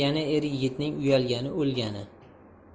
er yigitning uyalgani o'lgani